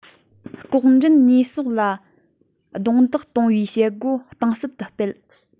ལྐོག འདྲེན ཉེས གསོག ལ རྡུང རྡེག གཏོང བའི བྱེད སྒོ གཏིང ཟབ ཏུ སྤེལ